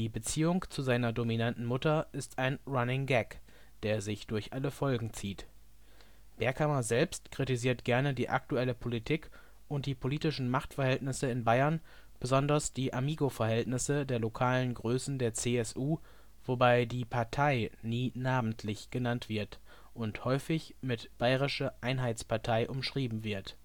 Beziehung zu seiner dominanten Mutter ist ein Running-Gag, der sich durch alle Folgen zieht. Berghammer selbst kritisiert gerne die aktuelle Politik oder die politischen Machtverhältnisse in Bayern, besonders die Amigo-Verhältnisse der lokalen Größen der CSU, wobei die Partei nie namentlich genannt wird und häufig mit „ bayerische Einheitspartei “umschrieben wird